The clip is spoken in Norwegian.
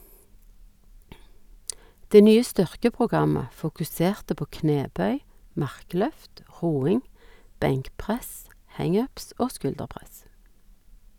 Det nye styrkeprogrammet fokuserte på knebøy, markløft, roing, benkpress, hang ups og skulderpress.